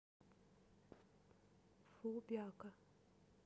фу бяка